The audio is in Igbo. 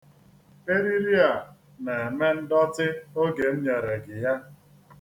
Eriri a na-eme ndọtị oge m nyere gị ya.